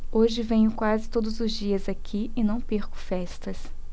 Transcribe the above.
hoje venho quase todos os dias aqui e não perco festas